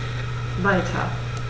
Weiter.